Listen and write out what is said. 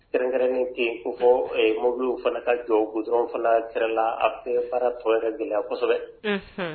Kɛrɛnkɛrɛnnen ten o fɔ mobiliw fana ka jɔ ko dɔrɔn fana kɛra la a fɛ baaratɔ ka gɛlɛya kosɛbɛ